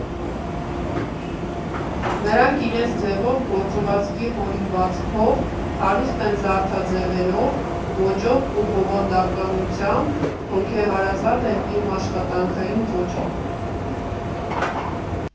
Նրանք իրենց ձևով, գործվածքի հորինվածքով, հարուստ զարդաձևերով, ոճով ու բովանդակությամբ հոգեհարազատ են իմ աշխատանքային ոճին։